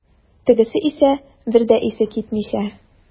Тегесе исә, бер дә исе китмичә.